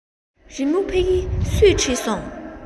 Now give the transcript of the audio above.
རི མོ ཕ གི སུས བྲིས སོང